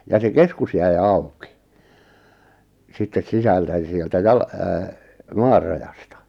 ja se keskus jäi auki sitten sisältä ja sieltä - maan rajasta